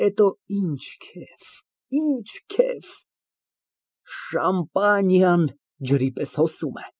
Հետո ինչ քեֆ, ինչ քեֆ։ Շամպանիան ջրի պես է հոսում։